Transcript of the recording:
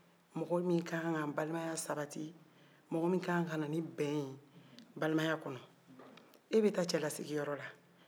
mɔgɔ min kakan ka balimaya sabati mɔgɔ min kakan ka na ni bɛn balimaya kɔnɔ e bɛ taa cɛlasigiyɔrɔ